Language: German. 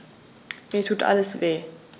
Mir tut alles weh.